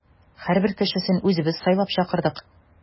Һәрбер кешесен үзебез сайлап чакырдык.